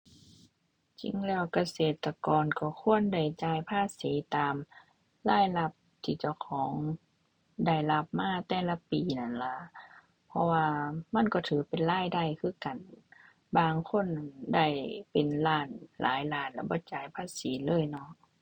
จริงแล้วเกษตรกรก็ควรได้จ่ายภาษีตามรายรับที่เจ้าของได้รับมาแต่ละปีนั่นล่ะ เพราะว่ามันก็ถือเป็นรายได้คือกัน บางคนได้เป็นล้าน หลายล้านละบ่จ่ายภาษีเลยเนาะ